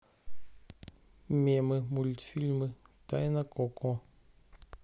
мемы мультфильма тайна коко